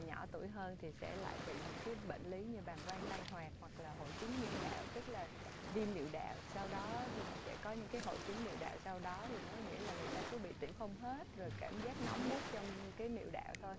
nhỏ tuổi hơn thì sẽ lại bị những cái bệnh lý như bàng quang tăng hoạt hoặc là hội chứng niệu đạo tức là viêm niệu đạo sau đó sẽ có những cái hội chứng niệu đạo sau đó thì có nghĩa là người ta cứ bị tiểu không hết rồi cảm giác nóng buốt trong cái niệu đạo thôi